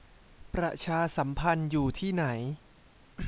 ประชาสัมพันธ์อยู่ที่ไหน